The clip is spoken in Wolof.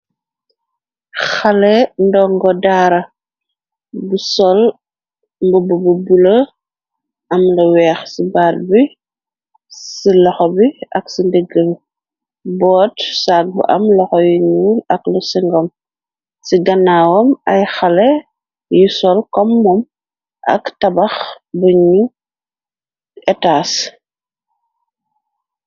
Xale ndongo daara bu sol mbëbb bu bula am la weex ci baar bi ci luxo bi ak ci ndigge boot sagg bu am luxo yu ñuul ak lu singom ci ganaawam ay xale yu sol kom mom ak tabax buñu etaas.